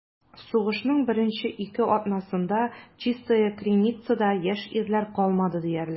Сугышның беренче ике атнасында Чистая Криницада яшь ирләр калмады диярлек.